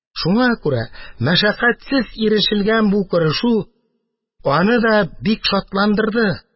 Шуңа күрә мәшәкатьсез ирешелгән бу күрешү аны да бик шатландырды.